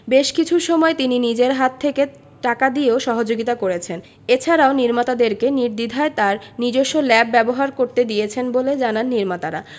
বেশ কিছু সময়ে তিনি নিজের হাত থেকে টাকা দিয়েও সহযোগিতা করেছেন এছাড়াও নির্মাতাদেরকে নির্দ্বিধায় তার নিজস্ব ল্যাব ব্যবহার করতে দিয়েছেন বলে জানান নির্মাতারা